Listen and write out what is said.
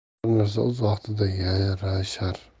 har narsa o'z vaqtida yarashar